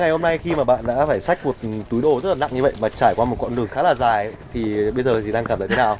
ngày hôm nay khi mà bạn đã phải xách một túi đồ rất là nặng như vậy mà trải qua một quãng đường khá là dài thì ờ bây giờ thì đang cảm thấy thế nào